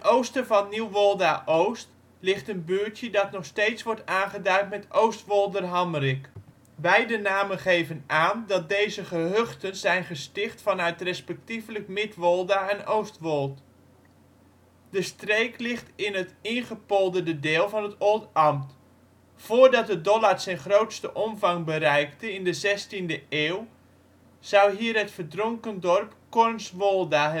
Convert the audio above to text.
oosten van Nieuwolda-Oost ligt een buurtje dat nog steeds wordt aangeduid met Oostwolderhamrik. Beide namen geven aan dat deze gehuchten zijn gesticht vanuit respectievelijk Midwolda en Oostwold. De streek ligt in het ingepolderde deel van het Oldambt. Voordat de Dollard zijn grootste omvang bereikte in de zestiende eeuw zou hier het verdronken dorp Cornswolda